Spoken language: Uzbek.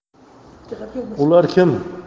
ular kim